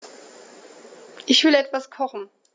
Ich will etwas kochen.